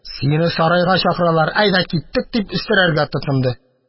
Сине сарайга чакыралар, әйдә, киттек! – дип өстерәргә тотынды.